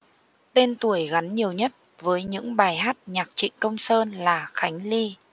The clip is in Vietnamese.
tên tuổi gắn nhiều nhất với những bài hát nhạc trịnh công sơn là khánh ly